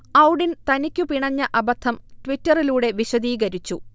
ഔഡിൻ തനിക്ക് പിണഞ്ഞ അബദ്ധം ട്വിറ്ററിലൂടെ വിശദീകരിച്ചു